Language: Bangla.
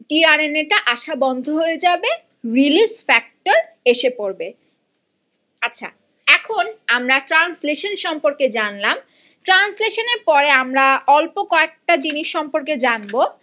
টি আর এন এটা আসা বন্ধ হয়ে যাবে রিলিজ ফ্যাক্টর এসে পড়বে আচ্ছা এখন আমরা ট্রানসলেশন সম্পর্কে জানলাম ট্রান্সলেশন এর পরে আমরা অল্প কয়েকটা জিনিস সম্পর্কে জানব